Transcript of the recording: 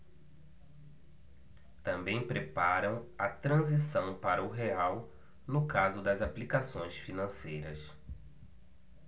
também preparam a transição para o real no caso das aplicações financeiras